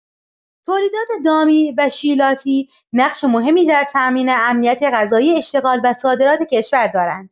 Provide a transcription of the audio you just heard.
تولیدات دامی و شیلاتی نقش مهمی در تأمین امنیت غذایی، اشتغال و صادرات کشور دارند.